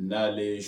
N'ale ye